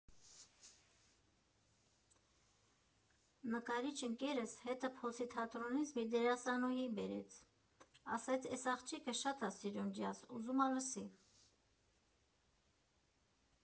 Նկարիչ ընկերս հետը Փոսի թատրոնից մի դերասանուհի բերեց, ասեց՝ էս աղջիկը շատ ա սիրում ջազ, ուզում ա լսի։